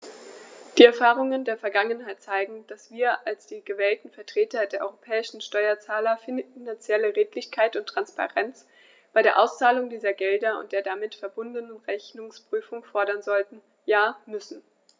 Die Erfahrungen der Vergangenheit zeigen, dass wir als die gewählten Vertreter der europäischen Steuerzahler finanzielle Redlichkeit und Transparenz bei der Auszahlung dieser Gelder und der damit verbundenen Rechnungsprüfung fordern sollten, ja müssen.